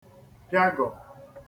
pịagọ̀